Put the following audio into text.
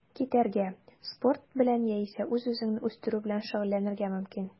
Китәргә, спорт белән яисә үз-үзеңне үстерү белән шөгыльләнергә мөмкин.